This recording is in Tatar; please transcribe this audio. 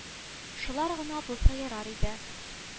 Шулар гына булса ярар иде